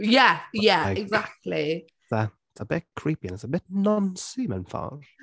Ie, ie. Exactly... Like, that’s a bit creepy and it’s a bit noncey, mewn ffordd.